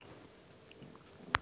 алиса включи майнкрафт